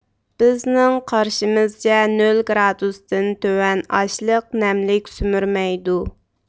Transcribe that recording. بىزنىڭ قارىشىمىزچە نۆل گرادۇستىن تۆۋەن ئاشلىق نەملىك سۈمۈرمەيدۇ